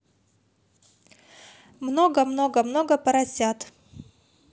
много много много поросят